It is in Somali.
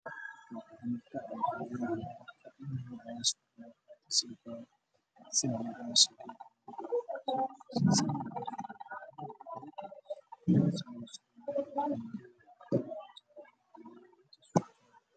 Meeshaan waxaa suran saakooyin kala duwan